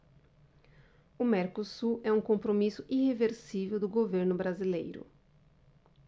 o mercosul é um compromisso irreversível do governo brasileiro